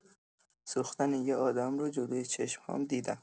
سوختن یه آدم رو جلوی چشم‌هام دیدم.